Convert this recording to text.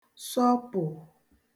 sọpụ̀